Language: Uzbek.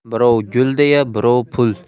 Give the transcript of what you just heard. birov gul deydi birov pul